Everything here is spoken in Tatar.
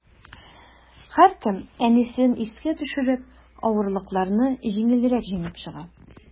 Һәркем, әнисен искә төшереп, авырлыкларны җиңелрәк җиңеп чыга.